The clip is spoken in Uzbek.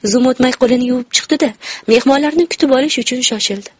zum o'tmay qo'lini yuvib chiqdi da mehmonlarni kutib olish uchun shoshildi